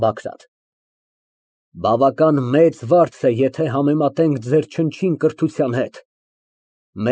ԲԱԳՐԱՏ ֊ Բավական մեծ վարձ է, եթե համեմատենք ձեր չնչին կրթության հետ։